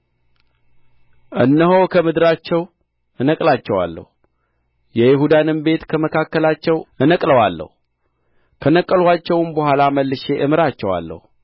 እነሆ ከምድራቸው እነቅላቸዋለሁ የይሁዳንም ቤት ከመካከላቸው እነቅለዋለሁ ከነቀልኋቸውም በኋላ መልሼ እምራቸዋለሁ እያንዳንዱንም ወደ ርስቱ